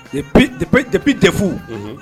Depuis DEF